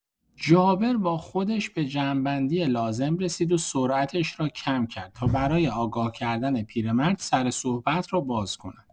جابر با خودش به جمع‌بندی لازم رسید و سرعتش را کم کرد تا برای آگاه‌کردن پیرمرد، سر صحبت را باز کند.